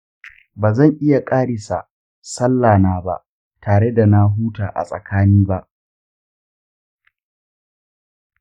bazan iya ƙarisa sallah na ba tare da na huta a tsakani ba.